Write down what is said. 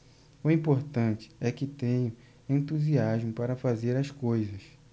o importante é que tenho entusiasmo para fazer as coisas